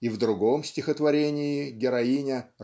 и в другом стихотворении героиня